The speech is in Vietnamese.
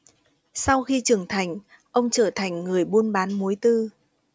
sau khi trưởng thành ông trở thành người buôn bán muối tư